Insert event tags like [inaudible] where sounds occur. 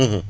[hesitation] [hesitation]